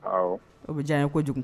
O bɛ diya ye ko kojugu